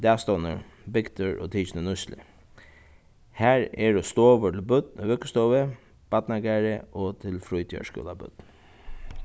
dagstovnur bygdur og tikin í nýtslu har eru stovur til børn í vøggustovu barnagarði og til frítíðarskúlabørn